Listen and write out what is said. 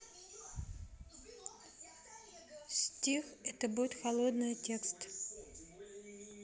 стих это будет холодная текст